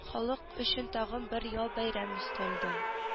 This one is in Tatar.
Халык өчен тагын бер ял-бәйрәм өстәлде